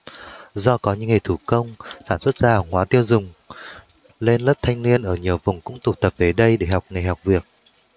do có nghề thủ công sản xuất ra hàng hóa tiêu dùng nên lớp thanh niên ở nhiều vùng cũng tụ tập về đây để học nghề học việc